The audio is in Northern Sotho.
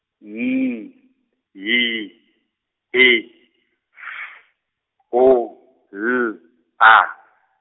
N Y E F O L A.